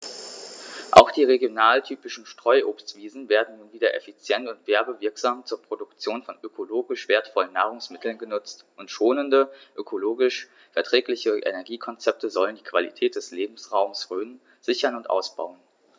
Auch die regionaltypischen Streuobstwiesen werden nun wieder effizient und werbewirksam zur Produktion von ökologisch wertvollen Nahrungsmitteln genutzt, und schonende, ökologisch verträgliche Energiekonzepte sollen die Qualität des Lebensraumes Rhön sichern und ausbauen.